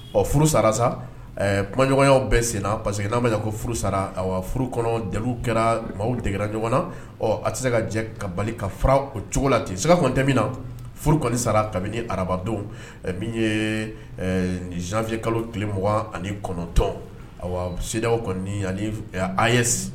Ɔ furu sara sa kumaɲɔgɔnya bɛ senna parce que n'a ma furu sara furu kɔnɔ jeliw kɛra maaw dgra ɲɔgɔn na a tɛ se ka jɛ ka bali ka fara o cogo la ten sekatɛmin na furu kɔni sara kabini arabadenw min ye zfiye kalo tile 2ugan ani kɔnɔntɔn s kɔni a ye